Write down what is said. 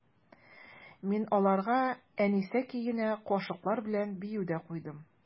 Мин аларга «Әнисә» көенә кашыклар белән бию дә куйдым.